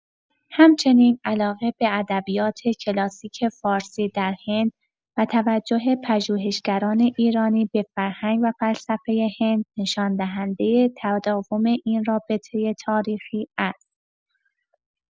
همچنین علاقه به ادبیات کلاسیک فارسی در هند و توجه پژوهشگران ایرانی به فرهنگ و فلسفه هند، نشان‌دهنده تداوم این رابطه تاریخی است.